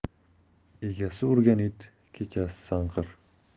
egasi urgan it kechasi sanqir